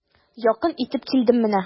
Якын итеп килдем менә.